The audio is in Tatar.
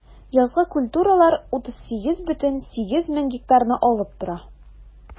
Язгы культуралар 38,8 мең гектарны алып тора.